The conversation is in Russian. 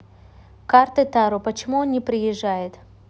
карты таро почему он не приезжает